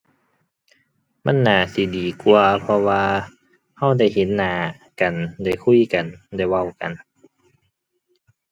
มันน่าสิดีกว่า เพราะว่า เราได้เห็นหน้ากัน ได้คุยกัน ได้เว้ากัน